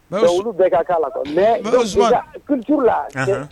Donc olu bɛɛ ka kɛ la mais donc i ka _ culture la